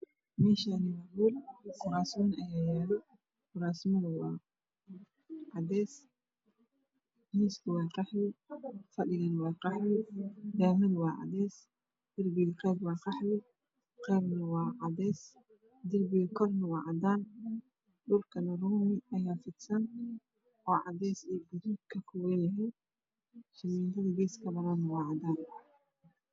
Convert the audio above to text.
Meeshaani waa hool kuraasooyin ayaa yaalo kuraasman waa cadees miiska waa qaxwi fadhigana waa qaxwi daahmana waa cadees darbiga qeyb waa qaxwi qeybna waa cadees darbiga korna waa cadaan dhulkana roog ayaa fidsan cadees iyo gaduud kaboobanyahy shamiindada gees kabanaana waa cadaan